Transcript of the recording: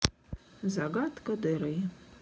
загадка дыры